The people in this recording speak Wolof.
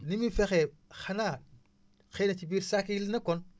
ni muy fexee xanaaxëy na ci biir saako yi la nekkoon